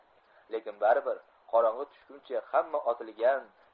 lekin baribir qorong'i tushguncha hamma otilgan